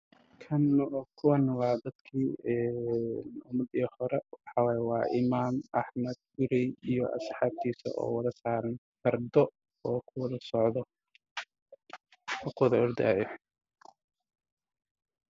Waa sawir gacan ku sameys ah waa niman saaran faras oo wataan seef waana waqtigii dowladda axmed gurey